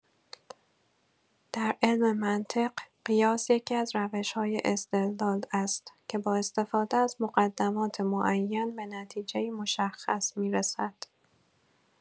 در علم منطق، قیاس یکی‌از روش‌های استدلال است که با استفاده از مقدمات معین به نتیجه‌ای مشخص می‌رسد.